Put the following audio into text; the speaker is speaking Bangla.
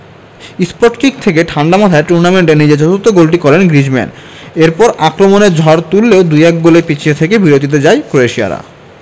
স্পটকিক থেকে ঠাণ্ডা মাথায় টুর্নামেন্টে নিজের চতুর্থ গোলটি করেন গ্রিজমান এরপর আক্রমণের ঝড় তুললেও ২ ১ গোলে পিছিয়ে থেকেই বিরতিতে যায় ক্রোয়েশিয়ারা